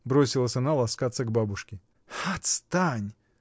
— бросилась она ласкаться к бабушке. — Отстань!